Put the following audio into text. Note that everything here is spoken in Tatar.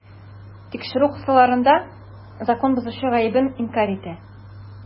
Тикшерү кысаларында закон бозучы гаебен инкарь итә.